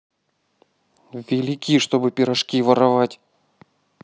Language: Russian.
валики чтобы пирожки воровать